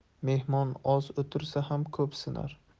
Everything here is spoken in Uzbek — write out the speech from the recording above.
mehmon oz o'tirsa ham ko'p sinar